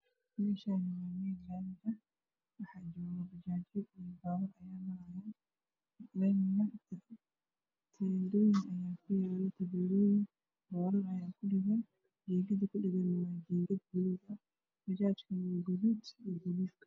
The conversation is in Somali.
Meeshaani waa meel laami bajaaj marayo teendhooyin ku yaalo boorar ku yaalo bajaaj guduud